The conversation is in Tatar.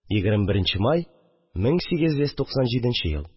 21 нче май, 1897 ел